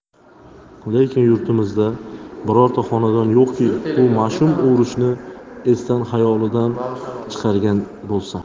lekin yurtimizda birorta xonadon yo'qki bu mash'um urushni esidan xayolidan chiqargan bo'lsa